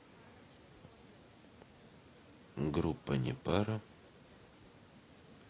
группа непара